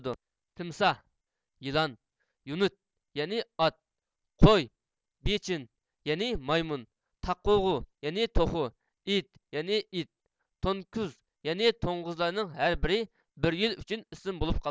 تىمساھ يىلان يۇنىد يەنى ئات قوي بېچىن يەنى مايمۇن تاقوغۇ يەنى توخۇ ئېت يەنى ئىت تونكۈز يەنى توڭغۇزلارنىڭ ھەر بىرى بىر يىل ئۈچۈن ئىسىم بولۇپ قالغان